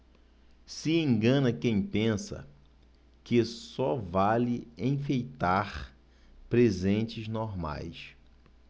se engana quem pensa que só vale enfeitar presentes normais